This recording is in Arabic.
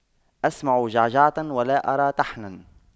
أسمع جعجعة ولا أرى طحنا